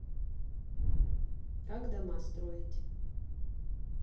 как дома строить